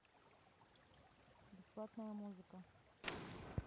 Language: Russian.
бесплатная музыка